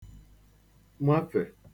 mafè